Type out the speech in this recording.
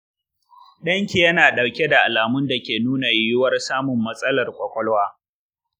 danki yana dauke da alamun dake nuna yiwuwar samun matsalar kwakwalwa.